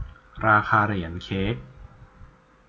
ราคาเหรียญเค้ก